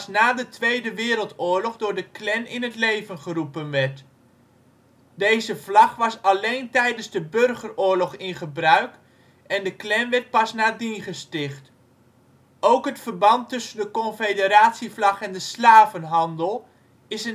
na de Tweede Wereldoorlog door de Klan in het leven geroepen werd. Deze vlag was alleen tijdens de burgeroorlog in gebruik en de Klan werd pas nadien gesticht. Ook het verband tussen de Confederatievlag en de slavenhandel is